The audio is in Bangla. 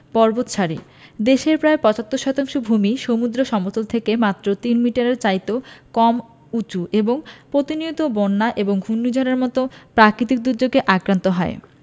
পর্বতসারি দেশের প্রায় ৭৫ শতাংশ ভূমিই সমুদ্র সমতল থেকে মাত্র তিন মিটারের চাইতেও কম উঁচু এবং প্রতিনিয়ত বন্যা ও ঘূর্ণিঝড়ের মতো প্রাকৃতিক দুর্যোগে আক্রান্ত হয়